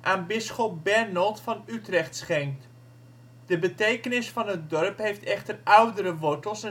aan bisschop Bernold van Utrecht schenkt. De betekenis van het dorp heeft echter oudere wortels